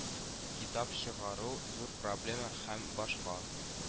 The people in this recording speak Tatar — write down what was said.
Китап чыгару зур проблема һәм башка